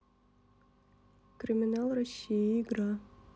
криминал россии игра